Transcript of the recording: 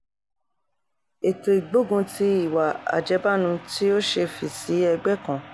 Ètò ìgbógunti ìwà àjẹbánu ti o ṣẹ fì sí ẹ̀gbẹ́ kan.